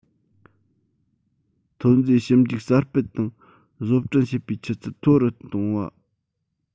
ཐོན རྫས ཞིབ འཇུག གསར སྤེལ དང བཟོ སྐྲུན བྱེད པའི ཆུ ཚད མཐོ རུ གཏོང བ